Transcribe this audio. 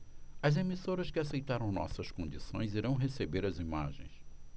as emissoras que aceitaram nossas condições irão receber as imagens